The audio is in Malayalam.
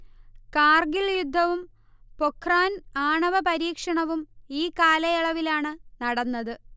കാർഗിൽ യുദ്ധവും പൊഖ്റാൻ ആണവ പരീക്ഷണവും ഈ കാലയളവിലാണ് നടന്നത്